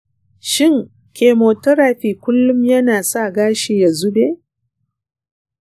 shin chemotherapy kullum yana sa gashi ya zube?